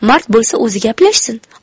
mard bo'lsa o'zi gaplashsin